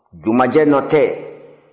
jumanjɛ nɔ tɛ